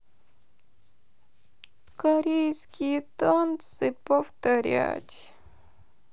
корейские танцы повторять